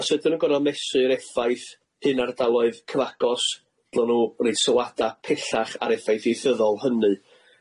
Os ydyn nw'n gor'o' mesu'r effaith hyn ar ardaloedd cyfagos dylwn nw reit sylwada pellach ar effaith ieithyddol hynny.